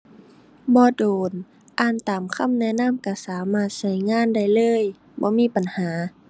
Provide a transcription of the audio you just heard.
บ่โดน อ่านตามคำแนะนำก็สามารถใช้งานได้เลย บ่มีปัญหา